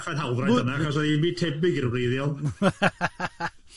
,,,hawlfraint yna achos oedd hi'm byd tebyg i'r wreiddiol.